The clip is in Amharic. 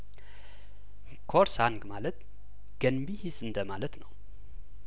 ኮር ሳንግ ማለት ገንቢ ሂስ እንደማለት ነው